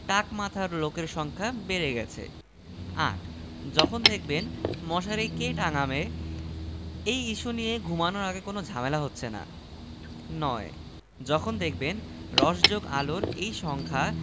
টাক মাথার লোকের সংখ্যা বেড়ে গেছে ৮. যখন দেখবেন মশারি কে টাঙাবে এই ইস্যু নিয়ে ঘুমানোর আগে কোনো ঝামেলা হচ্ছে না ৯. যখন দেখবেন রস যুগ আলোর এই সংখ্যা